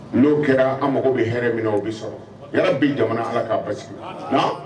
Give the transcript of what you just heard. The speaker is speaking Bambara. N'o kɛra an mago bɛ hɛrɛ min o bɛ sɔrɔ ala bɛ jamana ala k'a basi